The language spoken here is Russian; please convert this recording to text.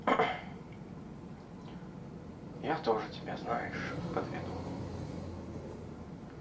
я тоже тебя знаешь подведу